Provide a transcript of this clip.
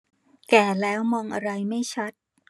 แก่แล้วมองอะไรไม่ชัด